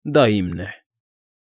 Դա իմն է։